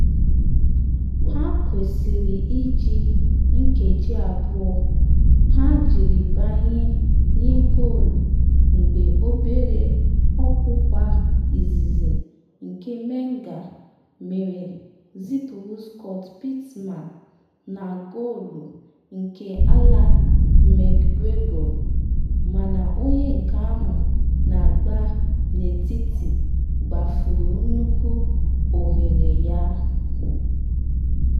Ha kwesịrị iji nkeji abụọ ha jiri banye nye goolu mgbe obere ọkpụkpa izizi nke Menga mere zipuru Scott Pittman na goolu nke Allan McGrego, mana onye nke ahụ na-agba n’etiti gbafuru nnukwu oghere ya.